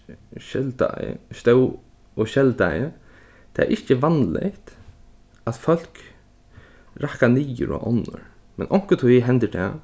skeldaði stóð og skeldaði tað ikki vanligt at fólk rakka niður á onnur men onkuntíð hendir tað